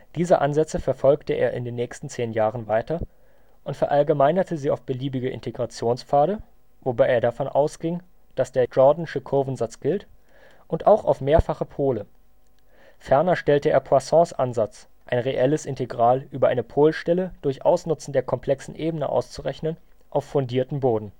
Diese Ansätze verfolgt er in den nächsten zehn Jahren weiter und verallgemeinerte sie auf beliebige Integrationspfade (wobei er davon ausging, dass der jordansche Kurvensatz gilt) und auch auf mehrfache Pole. Ferner stellte er Poissons Ansatz, ein reelles Integral über eine Polstelle durch Ausnutzen der komplexen Ebene auszurechnen, auf fundierten Boden